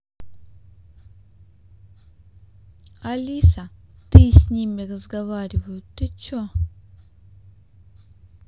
алиса ты ты с ними разговариваю ты че